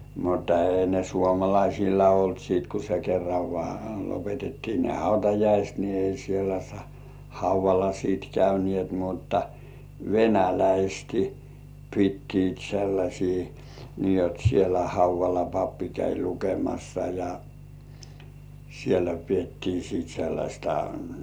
mutta ei ne suomalaisilla ollut sitten kun se kerran vain lopetettiin ne hautajaiset niin ei siellä haudalla sitten käyneet mutta venäläiset pitivät sellaisia niin jotta siellä haudalla pappi kävi lukemassa ja siellä pidettiin sitten sellaista